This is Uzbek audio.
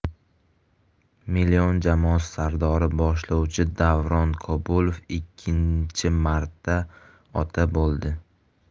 million jamoasi sardori boshlovchi davron kabulov ikkinchi marta ota bo'ldi